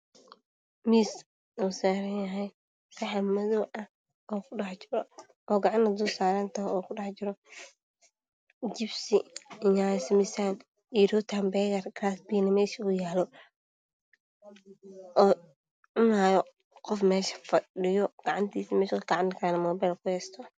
Waa miis oo saaran yahay saxan madow ah waxaa kujiro jibsi, yaanyo simisaam, rooti hambeegar oo cunaayo qof meesha fadhiyo gacanta kalana muubeel kuheysto.